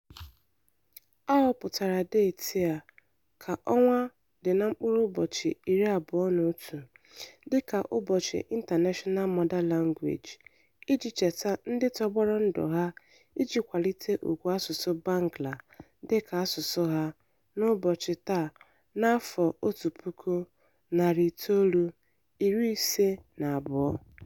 A họpụtara deeti a, Febụwarị 21, dịka International Mother Language Day iji cheta ndị tọgbọrọ ndụ ha iji kwalite ùgwù asụsụ Bangla, dịka asụsụ ha, n'ụbọchị taa na 1952.